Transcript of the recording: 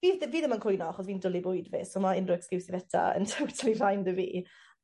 Fi ddi- fi ddim yn cwyno achos fi'n dwli bwyd fi so ma' unryw excuse o fita yn totally fine 'dy fi.